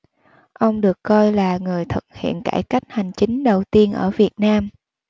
ông được coi là người thực hiện cải cách hành chính đầu tiên ở việt nam